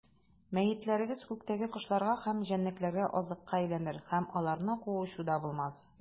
Мәетләрегез күктәге кошларга һәм җәнлекләргә азыкка әйләнер, һәм аларны куучы да булмас.